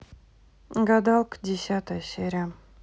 гадалка десятая серия